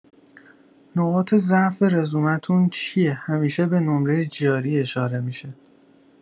نقاط ضعف رزومه‌تون چیه همیشه به نمره جی اری اشاره می‌شه!